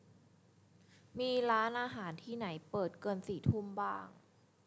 มีร้านอาหารที่ไหนเปิดเกินสี่ทุ่มบ้าง